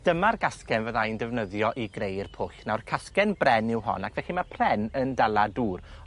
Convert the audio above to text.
Dyma'r gasgen fydda i'n defnyddio i greu'r pwll naw'r casgen bren yw hon ac felly ma' pren yn dala dŵr